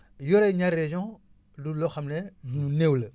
yore ñaari régions du loo xam nelu néew la